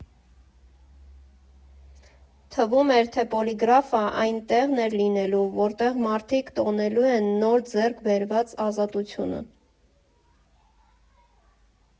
Թվում էր, թե Պոլիգրաֆը այն տեղն է լինելու, որտեղ մարդիկ տոնելու են նոր ձեռք բերված ազատությունը։